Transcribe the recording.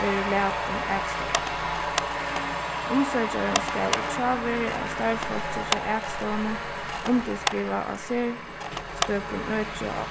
verður latin akstovuni umsøkjarin skal í hjáveru av starvsfólki hjá akstovuni undirskriva á serstøkum øki á